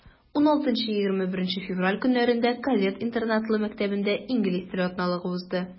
16-21 февраль көннәрендә кадет интернатлы мәктәбендә инглиз теле атналыгы узды.